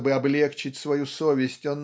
чтобы облегчить свою совесть